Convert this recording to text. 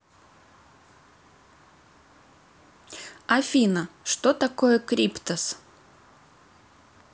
афина что такое kryptos